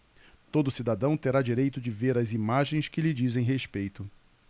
todo cidadão terá direito de ver as imagens que lhe dizem respeito